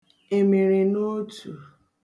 èmèrènootù